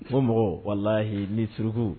Fo mɔgɔ walahi ni surugu